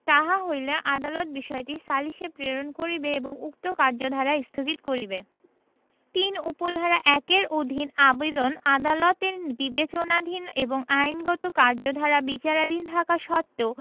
তাহা হইলে আদালত বিষয়টি সালিসে প্রেরণ করিবে এবং উক্ত কার্যধারা স্থগিত করিবে ৩ উপ ধারা ১ এর অধীন আবেদন আদালতের বিবেচনাধীন এবং আইনগত কার্যধারা বিচারাধীন থাকা সত্ত্বেও